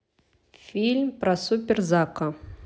мультфильм про суперзака